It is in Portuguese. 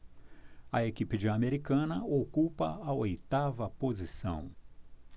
a equipe de americana ocupa a oitava posição